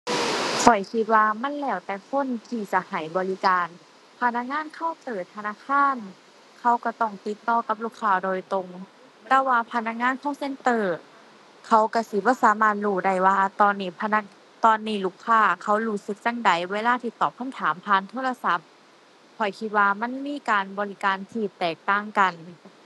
ข้อยคิดว่ามันแล้วแต่คนที่จะให้บริการ พนักงานเคาน์เตอร์ธนาคารเขาก็ต้องติดต่อกับลูกค้าโดยตรง แต่ว่าพนักงาน call center เขาก็สิบ่สามารถรู้ได้ว่าตอนนี้พนัก ตอนนี้ลูกค้าเขารู้สึกจั่งใดเวลาที่ตอบคำถามผ่านโทรศัพท์ ข้อยคิดว่ามันมีการบริการที่แตกต่างกัน